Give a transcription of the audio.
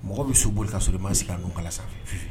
Mɔgɔ bɛ so boli ka so i ma sigi ka ninnu kala sanfɛ